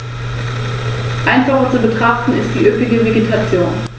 Stattdessen wurden die Informationstafeln um Verhaltensempfehlungen im Falle einer Begegnung mit dem Bären ergänzt.